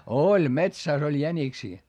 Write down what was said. oli metsässä oli jäniksiä